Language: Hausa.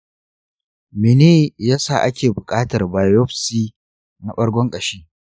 mene yasa ake buƙatar biopsy na ɓargon ƙashi?